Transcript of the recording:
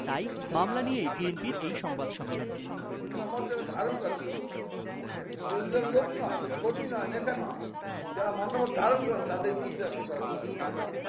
তাই মামলা নিয়ে বিএনপির এই সংবাদ সম্মেলন ভিন্নমতের ধারণ করেন শুধু বিরোধী দলের লোক নয় কর্মী নয় নেতা নয় যারা ভিন্ন মত ধারণ করে তাদের বিরুদ্ধে আজকে তারা ভৌতিক মামলা